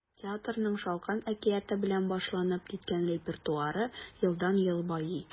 Театрның “Шалкан” әкияте белән башланып киткән репертуары елдан-ел байый.